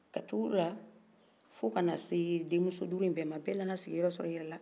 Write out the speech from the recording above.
ka tuk'u la fo kana se demuso duru in bɛɛ ma bɛɛ nana siginyɔrɔ sɔr'i yɛrɛ la